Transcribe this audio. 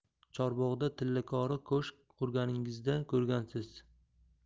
chorbog'da tillakori ko'shk qurganingizda ko'rgansiz